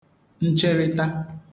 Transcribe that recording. ncherịta